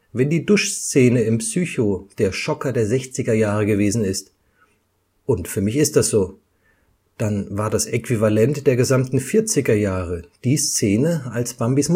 Wenn die Duschszene in Psycho der Schocker der sechziger Jahre gewesen ist, und für mich ist das so, dann war das Äquivalent der gesamten vierziger Jahre die Szene, als Bambis